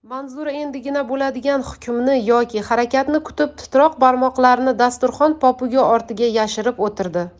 manzura endigi bo'ladigan hukmni yoki harakatni kutib titroq barmoqlarini dasturxon popugi ortiga yashirib o'tirdi